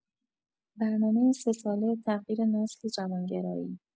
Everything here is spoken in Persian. برنامه سه‌ساله تغییر نسل جوانگرایی